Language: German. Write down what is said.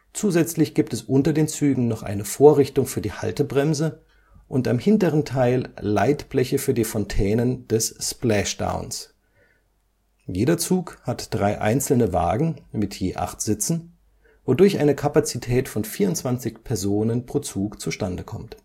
Zusätzlich gibt es unter den Zügen noch eine Vorrichtung für die Haltebremse und am hinteren Teil Leitbleche für die Fontänen des Splashdowns. Jeder Zug hat drei einzelne Wagen mit je acht Sitzen, wodurch eine Kapazität von 24 Personen pro Zug zustande kommt